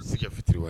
U bɛ sɛgɛ fitiri wa